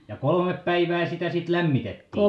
ja kolme päivää sitä sitten lämmitettiin